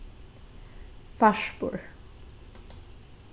farspor